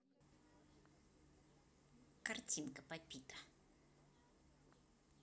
картинка попита